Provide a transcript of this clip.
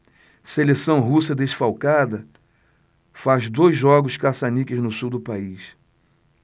seleção russa desfalcada faz dois jogos caça-níqueis no sul do país